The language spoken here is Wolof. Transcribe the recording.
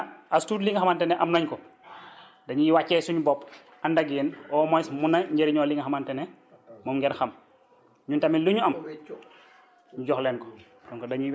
mais nag as tuut li nga xamante ne am nañ ko dañuy wàccee suñ bopp ànd ak yéen au moins mun a njëriñoo li nga xamante ne moomngeen xam ñun tamit lu ñu am ñu jox leen ko